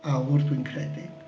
Awr dwi'n credu.